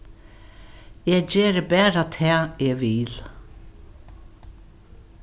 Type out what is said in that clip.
eg geri bara tað eg vil